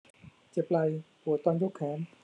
เจ็บไหล่ปวดตอนยกแขน